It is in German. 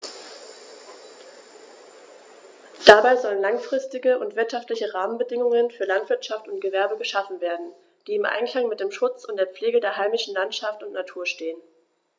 Dabei sollen langfristige und wirtschaftliche Rahmenbedingungen für Landwirtschaft und Gewerbe geschaffen werden, die im Einklang mit dem Schutz und der Pflege der heimischen Landschaft und Natur stehen.